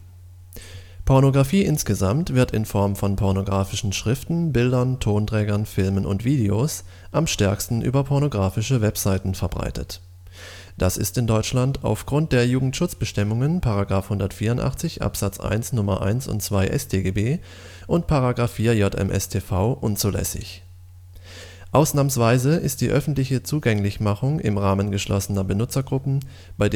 Pornografie insgesamt wird in Form von pornografischen Schriften, Bildern, Tonträgern, Filmen und Videos am stärksten über pornografische Webseiten verbreitet. Das ist in Deutschland aufgrund der Jugendschutzbestimmungen § 184 Abs. 1 Nr. 1 und 2 StGB und § 4 JMStV unzulässig. Ausnahmsweise ist die öffentliche Zugänglichmachung im Rahmen geschlossener Benutzergruppen, bei